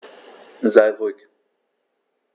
Sei ruhig.